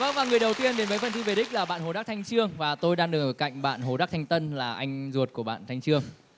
vâng và người đầu tiên đến với phần thi về đích là bạn hồ đắc thanh chương và tôi đang được ở cạnh bạn hồ đắc thanh tân là anh ruột của bạn thanh chương